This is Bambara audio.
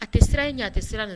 A tɛ siran e ɲɛ a tɛ siran